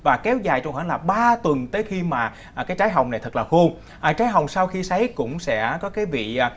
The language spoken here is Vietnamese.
và kéo dài trong khoảng là ba tuần tới khi mà ờ cái trái hồng này thật là khô trái hồng sau khi sấy cũng sẽ có cái vị